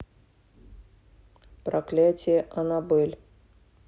проклятие аннабель